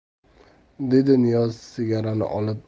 dedi niyoz sigarani